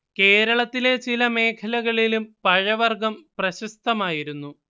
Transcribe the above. കേരളത്തിലെ ചില മേഖലകളിലും പഴവർഗ്ഗം പ്രശസ്തമായിരുന്നു